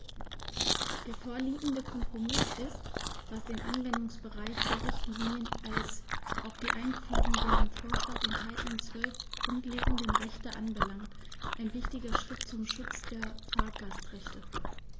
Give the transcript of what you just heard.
Der vorliegende Kompromiss ist, was den Anwendungsbereich der Richtlinie als auch die Einführung der im Vorschlag enthaltenen 12 grundlegenden Rechte anbelangt, ein wichtiger Schritt zum Schutz der Fahrgastrechte.